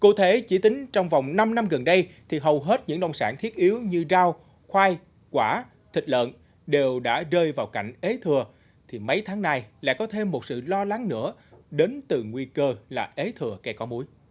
cụ thể chỉ tính trong vòng năm năm gần đây thì hầu hết những nông sản thiết yếu như rau khoai quả thịt lợn đều đã rơi vào cảnh ế thừa thì mấy tháng này lại có thêm một sự lo lắng nữa đến từ nguy cơ lạc ế thừa cây có múi